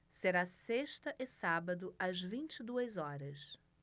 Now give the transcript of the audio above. será sexta e sábado às vinte e duas horas